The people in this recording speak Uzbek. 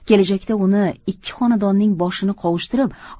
kelajakda uni ikki xonadonning boshini qovushtirib